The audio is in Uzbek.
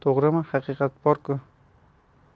ku to'g'rimi haqiqat borku